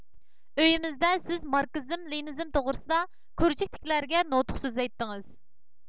ئۆيىمىزدە سىز ماركسىزم لېنىنىزم توغرىسىدا كۇرژۇكتىكىلەرگە نۇتۇق سۆزلەيتتىڭىز